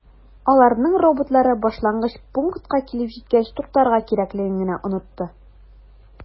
Аларның роботлары башлангыч пунктка килеп җиткәч туктарга кирәклеген генә “онытты”.